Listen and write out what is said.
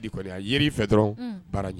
Kɔniya ye fɛ dɔrɔn baara ɲɛ